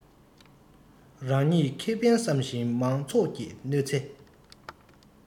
རང ཉིད ཁེ ཕན བསམ ཞིང མང ཚོགས ཀྱི གནོད ཚེ